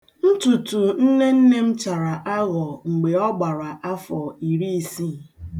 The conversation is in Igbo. Ntuntu nne nne m chara aghọ mgbe ọ gbara afọ iri isii.